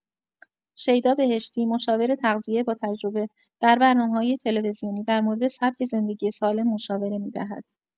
شیدا بهشتی، مشاور تغذیه با تجربه، در برنامه‌‌های تلویزیونی در مورد سبک زندگی سالم مشاوره می‌دهد.